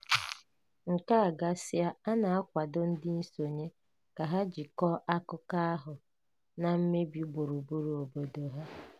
Nke a gasịa, a na-akwado ndị nsonye ka ha jikọọ akụkọ ahụ na mmebi gburugburu obodo ha.